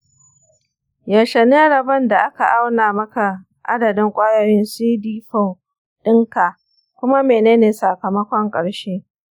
yaushe ne rabon da aka auna maka adadin ƙwayoyin cd4 ɗinka, kuma menene sakamakon ƙarshe?